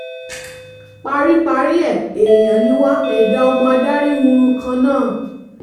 Paríparí ẹ̀, èèyàn ni wá, ẹ̀dá ọmọ adáríhurun kan náà.